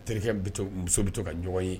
Terikɛ muso bɛ to ka ɲɔgɔn ye